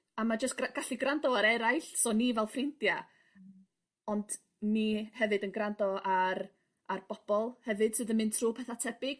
a ma' jyst gra- gallu grando ar eraill so ni fel ffrindia' ond ni hefyd yn grando ar ar bobol hefyd sydd yn mynd trw petha tebyg.